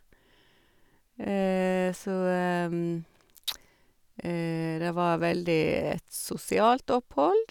Så det var veldig et sosialt opphold.